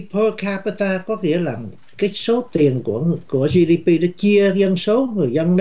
pư ca pa ta có nghĩa là cái số tiền của của di đi pi chia dân số người dân